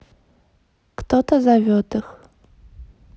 кто то зовет их